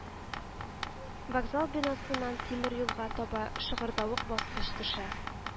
Вокзал бинасыннан тимер юлга таба шыгырдавык баскыч төшә